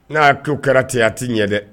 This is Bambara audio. N'a ko kɛra ten a t'i ɲɛ dɛ